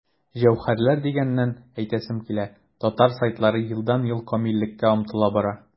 Җәүһәрләр дигәннән, әйтәсем килә, татар сайтлары елдан-ел камиллеккә омтыла бара.